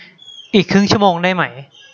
อีกครึ่งชั่วโมงได้ไหม